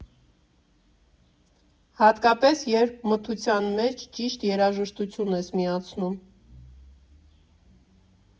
«Հատկապես, երբ մթության մեջ ճիշտ երաժշտություն ես միացնում»